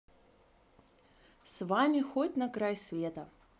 с вами хоть на край света